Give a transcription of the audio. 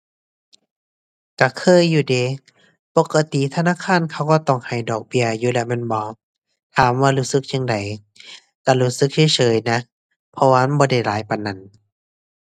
ก็เคยอยู่เดะ ปกติธนาคารเขาก็ต้องให้ดอกเบี้ยอยู่แล้วแม่นบ่ ถามว่ารู้สึกจั่งใด ก็รู้สึกเฉยเฉยนะ เพราะว่ามันบ่ได้หลายปานนั้น